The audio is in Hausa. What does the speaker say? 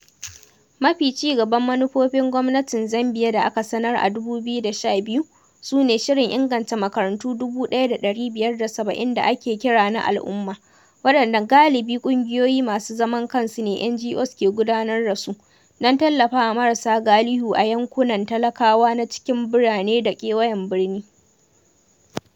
Mafi cigaban manufofin gwamnatin Zambiya da aka sanar a 2012, su ne shirin inganta makarantu 1,570 da ake kira na al’umma, waɗanda galibi ƙungiyoyi masu zaman kansu ne (NGOs) ke gudanar dasu, don tallafawa marasa galihu a yankunan talakawa na cikin birane da kewayen birni.